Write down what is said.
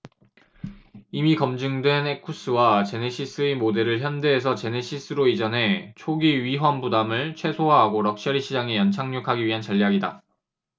이미 검증된 에쿠스와 제네시스의 모델을 현대에서 제네시스로 이전해 초기 위험부담을 최소화하고 럭셔리 시장에 연착륙하기 위한 전략이다